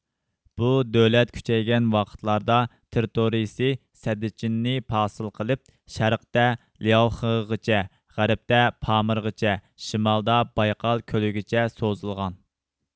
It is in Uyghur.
بۇ دۆلەت كۈچەيگەن ۋاقىتلاردا تېررىتورىيىسى سەددىچىننى پاسىل قىلىپ شەرقتە لياۋخېغىچە غەربتە پامىرغىچە شىمالدا بايقال كۆلىگىچە سوزۇلغان